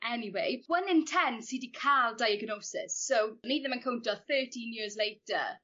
anyway one in ten sy 'di ca'l diagnosis so ni ddim yn cowntio thirteen years later